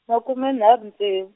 makume nharhu ntsev-.